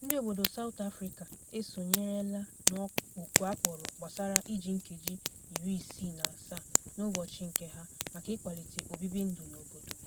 Ndị obodo South Afrịka esonyerela n'oku akpọrọ gbasara iji nkeji 67 n'ụbọchị nke ha maka ịkwalite obibi ndụ n'obodo.